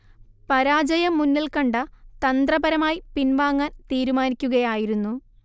പരാജയം മുന്നിൽ കണ്ട തന്ത്രപരമായി പിൻവാങ്ങാൻ തീരുമാനിക്കുകയായിരുന്നു